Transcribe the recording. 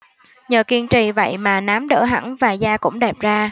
nhờ kiên trì vậy mà nám đỡ hẳn và da cũng đẹp ra